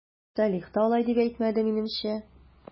Салих та алай дип әйтмәде, минемчә...